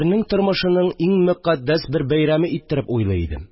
Тормышының иң мокаддәс бер бәйрәме иттереп уйлый идем